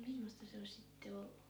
mimmoista se olisi sitten ollut